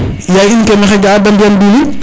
yaay in ke maxey ga'a de mbiyan diwlin